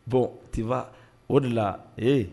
Bon, tu vois o de la ɛɛ